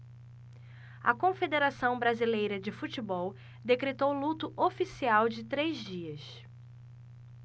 a confederação brasileira de futebol decretou luto oficial de três dias